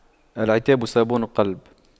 العتاب صابون القلب